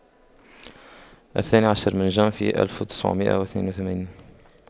الثاني عشر من جانفي ألف وتسعمئة واثنين وثمانين